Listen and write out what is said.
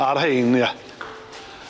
Ar rhein ia.